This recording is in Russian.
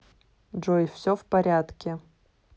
джой все в порядке